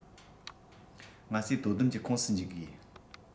ང ཚོས དོ དམ གྱི ཁོངས སུ འཇུག དགོས